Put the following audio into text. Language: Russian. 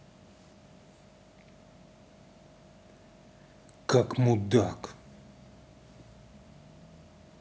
как мудак